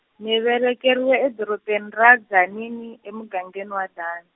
ni velekeriwe edorobeni ra Tzaneen emugangeni wa Dan-.